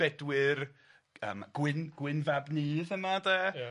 Bedwyr yym Gwyn Gwyn fab Nudd yma de. Ia.